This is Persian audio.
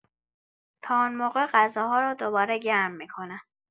تا اون موقع غذاها رو دوباره گرم می‌کنم.